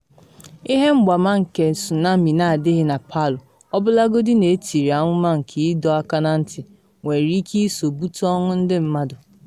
Ihe mgbama nke tsunami na adịghị na Palu, ọbụlagodi na etiri amụma nke ịdọ aka na ntị, nwere ike iso bute ọnwụ ndị mmadụ.